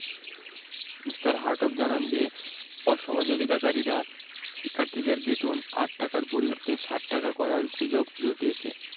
Me. Hartog জানান যে অসহযোগিতাকারীরা শিক্ষার্থীদের বেতন ৮ টাকার পরিবর্তে ৬০ টাকা করার গুজব রটিয়েছে